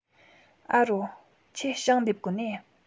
ཨོ རོ ཁྱོས ཞིང འདེབས གོ ནིས